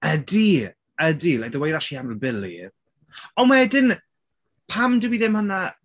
Ydy ydy. Like the way that she handled Billy... Ond wedyn pam dyw hi ddim hwnna...